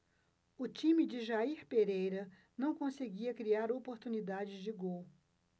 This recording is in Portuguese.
o time de jair pereira não conseguia criar oportunidades de gol